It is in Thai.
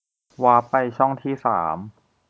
วาปไปช่องที่สาม